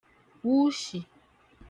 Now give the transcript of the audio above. wụshì